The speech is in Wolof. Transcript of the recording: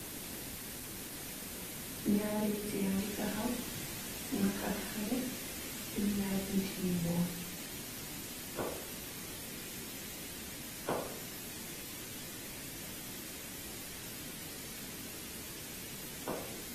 Nyarri nit Yanghe tahaw, mak ak xaleh nyom nyarr nyu teyeh bowl.